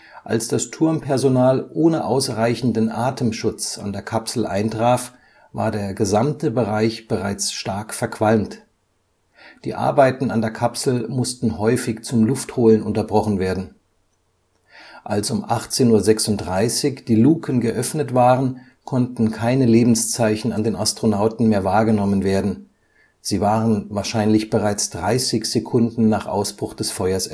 Als das Turmpersonal ohne ausreichenden Atemschutz an der Kapsel eintraf, war der gesamte Bereich bereits stark verqualmt. Die Arbeiten an der Kapsel mussten häufig zum Luftholen unterbrochen werden. Als um 18:36 Uhr die Luken geöffnet waren, konnten keine Lebenszeichen an den Astronauten mehr wahrgenommen werden, sie waren wahrscheinlich bereits 30 Sekunden nach Ausbruch des Feuers